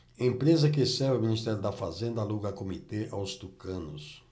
empresa que serve ao ministério da fazenda aluga comitê aos tucanos